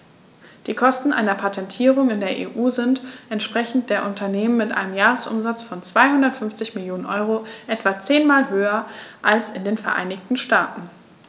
Die Kosten einer Patentierung in der EU sind, entsprechend der Unternehmen mit einem Jahresumsatz von 250 Mio. EUR, etwa zehnmal höher als in den Vereinigten Staaten.